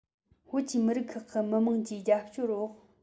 བོད ཀྱི མི རིགས ཁག གི མི དམངས ཀྱི རྒྱབ སྐྱོར འོག